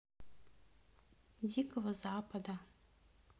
дикого запада